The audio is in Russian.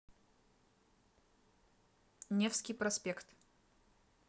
невский проспект